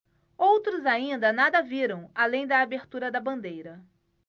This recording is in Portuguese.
outros ainda nada viram além da abertura da bandeira